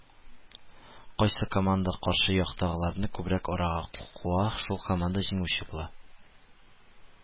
Кайсы команда каршы яктагыларны күбрәк арага куа, шул команда җиңүче була